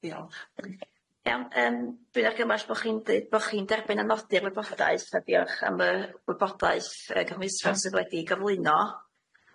Diolch. Iawn yym dwi argymell bo' chi'n de- bo' chi'n derbyn a nodi'r wybodaeth yy diolch am yy wybodaeth yy cymhwyso sydd wedi'i gyflwyno,